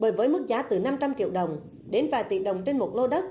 bởi với mức giá từ năm trăm triệu đồng đến vài tỷ đồng trên một lô đất